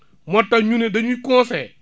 moo tax ñu ne dañuy conseillé